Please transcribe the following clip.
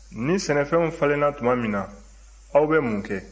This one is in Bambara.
ni sɛnɛfɛnw falenna tuma min na aw bɛ mun kɛ